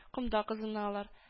Комда кызыналар